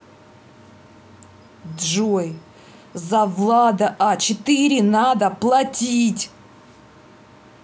джой за влада а четыре надо платить